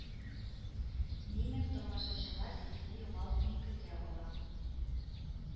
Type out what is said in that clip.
Димәк тамашачылар сезне югалтмый көтә ала